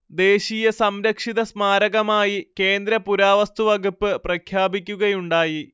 ദേശീയ സംരക്ഷിതസ്മാരകമായി കേന്ദ്ര പുരാവസ്തുവകുപ്പ് പ്രഖ്യാപിക്കുകയുണ്ടായി